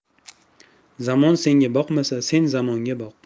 zamon senga boqmasa sen zamonga boq